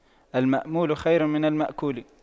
المأمول خير من المأكول